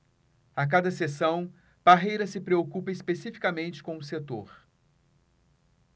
a cada sessão parreira se preocupa especificamente com um setor